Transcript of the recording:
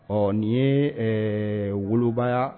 Ɔ nin ye ɛɛ woloba